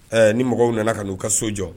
Ɛɛ ni mɔgɔw nana ka n'u ka so jɔ